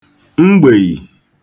mgbèì